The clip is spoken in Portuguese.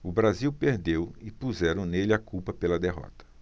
o brasil perdeu e puseram nele a culpa pela derrota